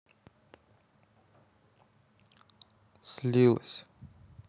слилась